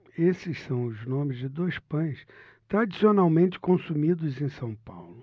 esses são os nomes de dois pães tradicionalmente consumidos em são paulo